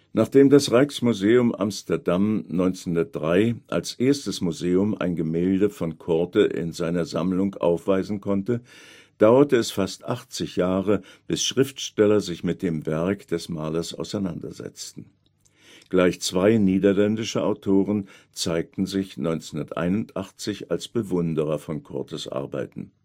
Nachdem das Rijksmuseum Amsterdam 1903 als erstes Museum ein Gemälde von Coorte in seiner Sammlung aufweisen konnte, dauerte es fast 80 Jahre, bis Schriftsteller sich mit dem Werk des Malers auseinandersetzten. Gleich zwei niederländische Autoren zeigten sich 1981 als Bewunderer von Coortes Arbeiten